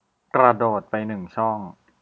กระโดดไปหนึ่งช่อง